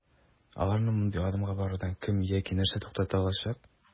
Аларны мондый адымга барудан кем яки нәрсә туктата алачак?